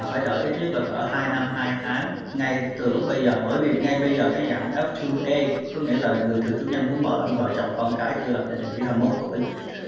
phải đợi ít nhất là cỡ hai năm hai tháng ngay từ lúc bây giờ bởi vì ngay bây giờ cái dạng ép tu ây có nghĩa là người thường trú nhân muốn bảo lãnh vợ chồng con cái chưa lập gia đình dưới hai mốt tuổi